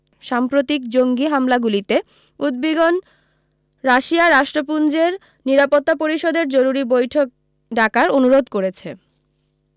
সাম্প্রতিক জঙ্গি হামলাগুলিতে উদ্বিগন রাশিয়া রাষ্ট্রপুঞ্জের নিরাপত্তা পরিষদের জরুরি বৈঠক ডাকার অনুরোধ করেছে